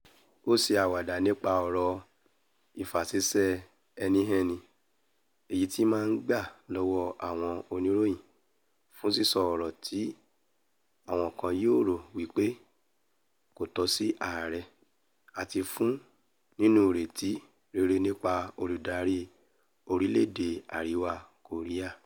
Ó ṣe àwàdà nípa ọ̀rọ̀ ìfàṣìṣe-ẹnihànni èyití ma ǹ gbà l’ọwọ́ àwọn oníròyìn fún sísọ ọ̀rọ̀ tí àwọn kan yóò rò wípé ''Kò tọ si ààrẹ̀'' àti fún níní írètí rere nipa olὺdarí orílẹ̀-èdè Ariwa Kòríà.